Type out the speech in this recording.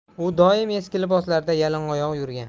u doim eski liboslarda yalangoyoq yurgan